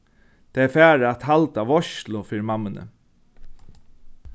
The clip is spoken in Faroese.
tey fara at halda veitslu fyri mammuni